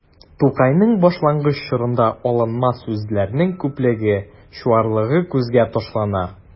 Тукайның башлангыч чорында алынма сүзләрнең күплеге, чуарлыгы күзгә ташлана.